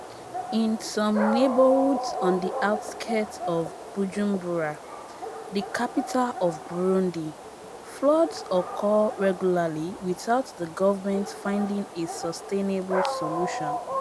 In some neighbourhoods on the outskirts of Bujumbura, the capital of Burundi, floods occur regularly without the government finding a sustainable solution.